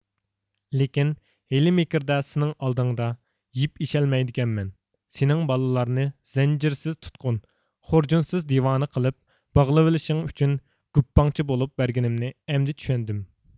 لېكىن ھىيلە مىكىردە سېنىڭ ئالدىڭدا يىپ ئېشەلمەيدىكەنمەن سېنىڭ بالىلارنى زەنجىرسىز تۇتقۇن خۇرجۇنسىز دىۋانە قىلىپ باغلىۋېلىشىڭ ئۈچۈن گۇپپاڭچى بولۇپ بەرگىنىمنى ئەمدى چۈشەندىم